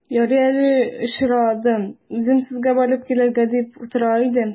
Ярый әле очрадың, үзем сезгә барып килергә дип тора идем.